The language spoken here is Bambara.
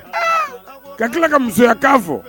Ka tila ka musoya kan fɔ